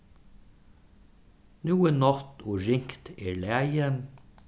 nú er nátt og ringt er lagið